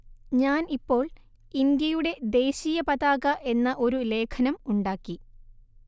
ഞാൻ ഇപ്പോൾ ഇന്ത്യയുടെ ദേശീയ പതാക എന്ന ഒരു ലേഖനം ഉണ്ടാക്കി